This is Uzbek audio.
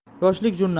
yoshlik jurnali